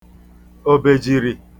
òbèjìrì